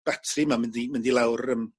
batri 'man' mynd i mynd i lawr yym...